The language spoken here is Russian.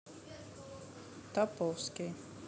топовский